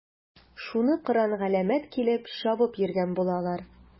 Шуны кыран-галәмәт килеп чабып йөргән булалар.